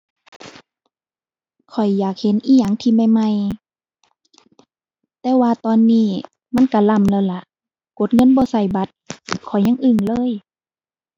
ข้อยอยากเห็นอิหยังที่ใหม่ใหม่ แต่ว่าตอนนี้มันก็ล้ำแล้วล่ะ กดเงินบ่ก็บัตร ข้อยยังอึ้งเลย